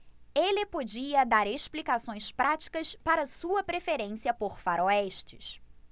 ele podia dar explicações práticas para sua preferência por faroestes